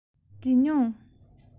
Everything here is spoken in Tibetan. འདྲི མྱོང